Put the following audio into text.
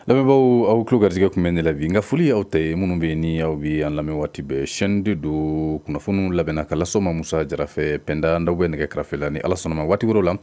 Lamɛnbaaw aw tulo garisigɛ tun bɛ nin de la bi , nka foli ye aw ta ye minnu bɛ yen ni aw b'i an lamɛn waati bɛɛ, chaine 2 doon, kunafoniw labɛn na ka lase aw ma Musa Jara fɛ, Pɛnda Ndao bɛ nɛgɛkarafe la, ni Ala sɔnna waati wɛrɛw la